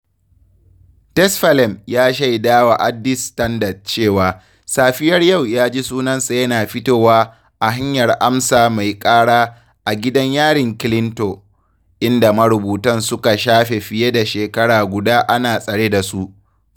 Tesfalem ya shaida wa Addis Standard cewa safiyar yau ya ji sunansa yana fitowa ta hanyar amsa mai ƙara a gidan yarin Kilinto, inda marubutan suka shafe fiye da shekara guda ana tsare da su.